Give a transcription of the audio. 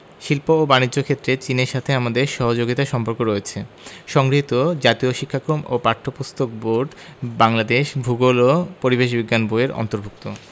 শিল্প ও বানিজ্য ক্ষেত্রে চীনের সাথে আমাদের সহযোগিতার সম্পর্কও রয়েছে সংগৃহীত জাতীয় শিক্ষাক্রম ও পাঠ্যপুস্তক বোর্ড বাংলাদেশ ভূগোল ও পরিবেশ বিজ্ঞান বই এর অন্তর্ভুক্ত